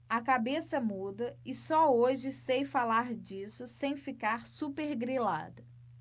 a cabeça muda e só hoje sei falar disso sem ficar supergrilada